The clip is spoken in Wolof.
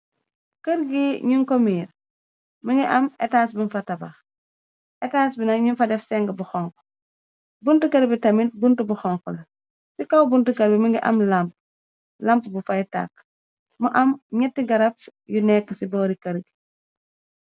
Kër gi ñun ko miir, mi ngi am etas bunj fa tabax, etas bi nak ñun fa def seng bu xonxu, buntu kër bi tamit buntu bu xonxu la, ci kaw buntu kër bi mi ngi am lamp, lampu bu faytàkk, mu am ñetti garab yu nekk ci boori kër gi.